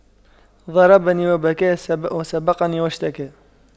ضربني وبكى وسبقني واشتكى